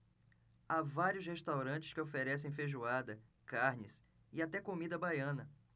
há vários restaurantes que oferecem feijoada carnes e até comida baiana